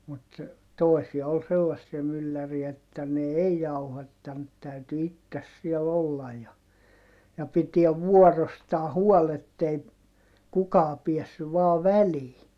mutta toisia oli sellaisia mylläreitä että ne ei jauhattanut täytyi itse siellä olla ja ja pitää vuorostaan huoli että ei kukaan päässyt vain väliin